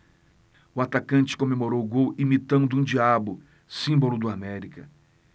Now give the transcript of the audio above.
o atacante comemorou o gol imitando um diabo símbolo do américa